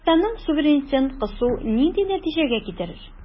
Татарстанның суверенитетын кысу нинди нәтиҗәгә китерер?